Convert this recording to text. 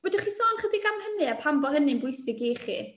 Fedrwch chi sôn chydig am hynny, a pam bo' hynny'n bwysig i chi?